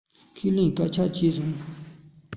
ཁས ལེན སྐྲག ཐག ཆོད སོང